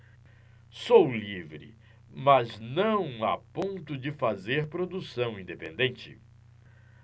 sou livre mas não a ponto de fazer produção independente